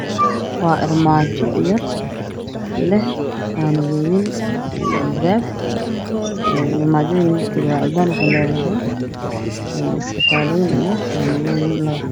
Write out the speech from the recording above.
Waa armaajo yar oo leh qaanadooyin iyo albaab, armaajada midabkeedu waa cadaan waxay leedahay iskifaalo iyo qaanado.